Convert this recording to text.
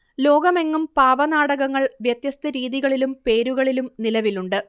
ലോകമെങ്ങും പാവനാടകങ്ങൾ വ്യത്യസ്ത രീതികളിലും പേരുകളിലും നിലവിലുണ്ട്